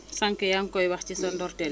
sànq yaa ngi koy wax si sa ndorteel